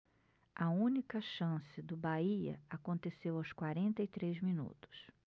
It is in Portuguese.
a única chance do bahia aconteceu aos quarenta e três minutos